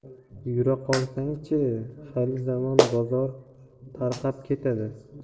yura qolsang chi hali zamon bozor tarqab ketadi